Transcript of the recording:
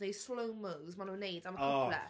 neu slow-mos maen nhw'n wneud am y cwplau?